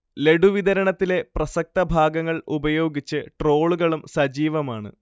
ലഡു വിതരണത്തിലെ പ്രസക്തഭാഗങ്ങൾ ഉപയോഗിച്ച് ട്രോളുകളും സജീവമാണ്